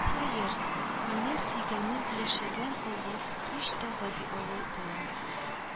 Хәер, минем сөйгәнем яшәгән авыл һич тә гади авыл була